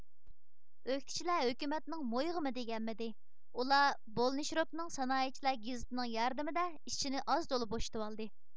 ئۆكتىچىلەر ھۆكۈمەتىنىڭ مويىغىمۇ تېگەلمىدى ئۇلار بولىنشروكنىڭ سانائەتچىلەر گېزىتى نىڭ ياردىمىدە ئىچىنى ئاز تولا بوشىتىۋالدى